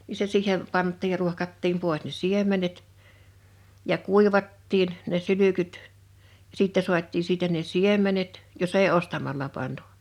niin se siihen pantiin ja ruohkattiin pois ne siemenet ja kuivattiin ne sylkyt ja sitten saatiin siitä ne siemenet jos ei ostamalla pantu